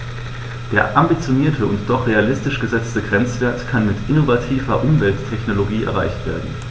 Der ambitionierte und doch realistisch gesetzte Grenzwert kann mit innovativer Umwelttechnologie erreicht werden.